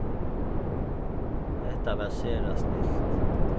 hetta var sera snilt